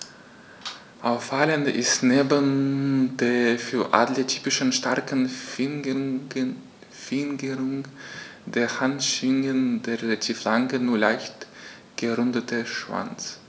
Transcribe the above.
Auffallend ist neben der für Adler typischen starken Fingerung der Handschwingen der relativ lange, nur leicht gerundete Schwanz.